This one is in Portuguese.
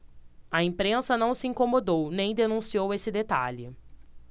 a imprensa não se incomodou nem denunciou esse detalhe